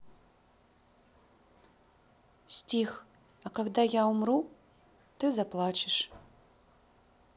стих а когда я умру ты заплачешь